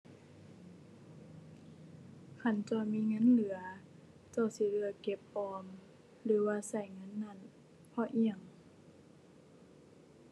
คันเจ้ามีเงินเหลือ เจ้าสิเลือกเก็บออมหรือว่าใช้เงินนั้น เพราะอิหยัง